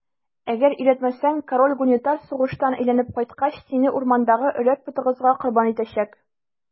Әгәр өйрәтмәсәң, король Гунитар сугыштан әйләнеп кайткач, сине урмандагы Өрәк потыгызга корбан итәчәк.